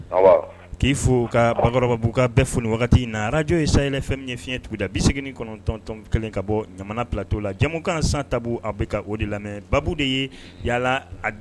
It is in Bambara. Na araj say fɛn min fiɲɛɲɛ tuguuguda bin segin kɔnɔntɔntɔn kelen ka bɔ ɲa bilatɔ la jamumukan san taabolo a bɛ o de lamɛn de ye yala